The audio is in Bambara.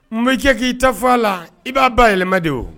Mun b'i jɛ k'i ta fɔ a la i b'a ba yɛlɛma de